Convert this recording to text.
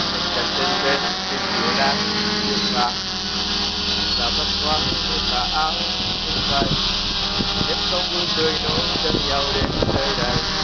dừng chân trên bến khi chiều nắng chưa phai nhìn xa thấp thoáng muôn tà áo tung bay nếp sống vui tươi nối chân nhau đến nơi này